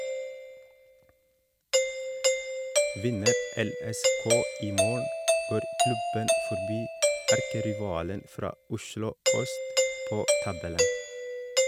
Vinner LSK i morgen, går klubben forbi erkerivalen fra Oslo øst på tabellen.